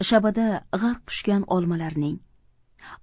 shabada g'arq pishgan olmalarning